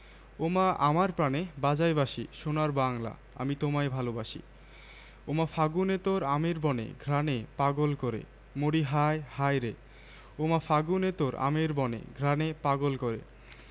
ওমা আমার প্রানে বাজায় বাঁশি সোনার বাংলা আমি তোমায় ভালোবাসি ওমা ফাগুনে তোর আমের বনে ঘ্রাণে পাগল করে মরিহায় হায়রে ওমা ফাগুনে তোর আমের বনে ঘ্রাণে পাগল করে